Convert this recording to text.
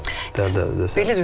det det det .